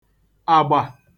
àgbà